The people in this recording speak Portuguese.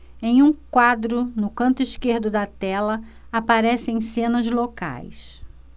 em um quadro no canto esquerdo da tela aparecem cenas locais